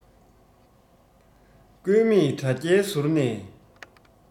སྐུད མེད དྲ རྒྱའི ཟུར ནས